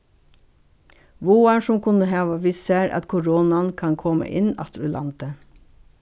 váðar sum kunnu hava við sær at koronan kann koma inn aftur í landið